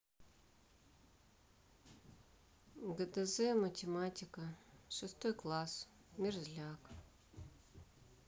гдз математика шестой класс мерзляк